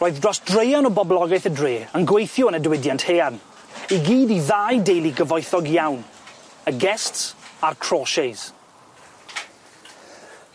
Roedd dros dreion o boblogeth y dre yn gweithio yn y diwydiant haearn, i gyd i ddau deulu gyfoethog iawn, y Guests a'r Crauchetes.